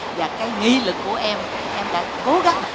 và cái nghị lực của em em đã cố gắng